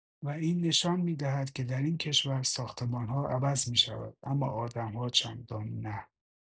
و این نشان می‌دهد که در این کشور، ساختمان‌ها عوض می‌شود اما آدم‌ها چندان نه!